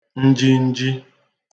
njinji